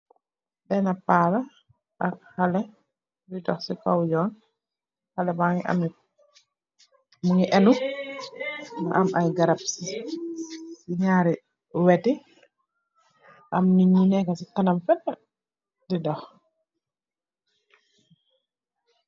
Benna Paa la ak xalé, di dox si kow Yoon. Xale baa ngi ennu, mu ay garab si ñaari wet yi, am nit ñu neekë si kanam fëlé di dox.